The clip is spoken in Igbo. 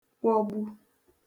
kwọgbu